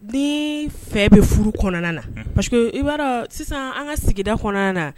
Ni fɛ bɛ furu kɔnɔna na parce i'a sisan an ka sigida kɔnɔna na